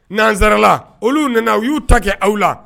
Nanzrala olu nana u y'u ta kɛ aw la